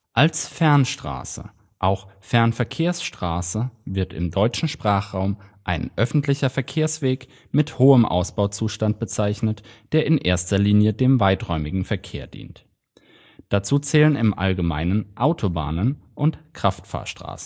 Als Fernstraße (auch Fernverkehrsstraße) wird im deutschen Sprachraum ein öffentlicher Verkehrsweg mit hohem Ausbauzustand bezeichnet, der in erster Linie dem weiträumigen Verkehr dient. Dazu zählen im Allgemeinen Autobahnen und Kraftfahrstraßen